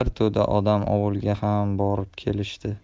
bir to'da odam ovulga ham borib kelishdi